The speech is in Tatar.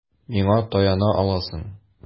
Миңа таяна аласың.